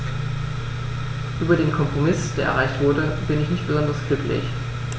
Über den Kompromiss, der erreicht wurde, bin ich nicht besonders glücklich.